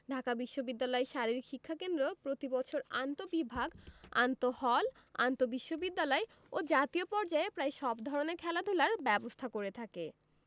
ঢাকা বিশ্ববিদ্যালয় শারীরিক শিক্ষা কেন্দ্র প্রতিবছর আন্তঃবিভাগ আন্তঃহল আন্তঃবিশ্ববিদ্যালয় ও জাতীয় পর্যায়ে প্রায় সব ধরনের খেলাধুলার ব্যবস্থা করে থাকে